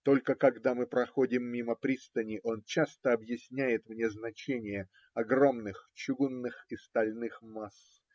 Только когда мы проходим мимо пристани, он часто объясняет мне значение огромных чугунных и стальных масс